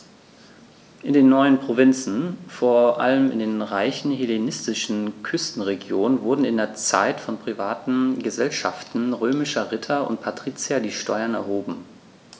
In den neuen Provinzen, vor allem in den reichen hellenistischen Küstenregionen, wurden in dieser Zeit von privaten „Gesellschaften“ römischer Ritter und Patrizier die Steuern erhoben.